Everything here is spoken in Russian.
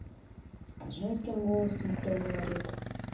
а женским голосом кто говорит